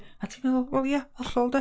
A ti'n meddwl, wel ia, hollol, de?